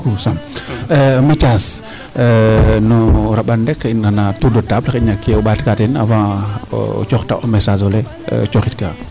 Merci beacoup Samb Mathiase no raɓan rek xayna no tour de table xayna ke o ɓaatka teen avant o cooxta o message ole o cooxitkaa.